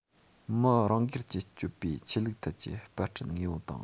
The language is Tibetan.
མི རང སྒེར གྱིས སྤྱོད པའི ཆོས ལུགས ཐད ཀྱི པར སྐྲུན དངོས པོ དང